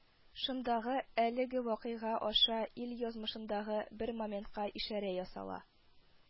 Шындагы әлеге вакыйга аша ил язмышындагы бер моментка ишарә ясала